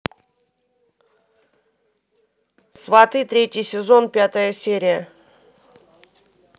сваты третий сезон пятая серия